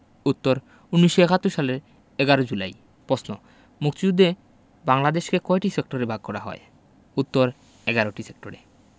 উত্তর ১৯৭১ সালের ১১ জুলাই পশ্ন মুক্তিযুদ্ধে বাংলাদেশকে কয়টি সেক্টরে ভাগ করা হয় উত্তর ১১টি সেক্টরে